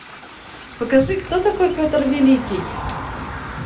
покажи кто такой петр великий